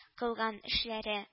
Кылган эшләре